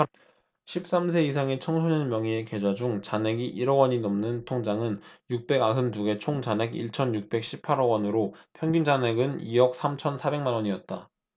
십 삼 세 이상의 청소년 명의의 계좌 중 잔액이 일 억원이 넘는 통장은 육백 아흔 두 개 총 잔액 일 천 육백 십 팔 억원으로 평균 잔액은 이 억 삼 천 사백 만원이었다